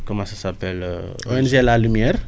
comment ça s' appelle ONG La Lumière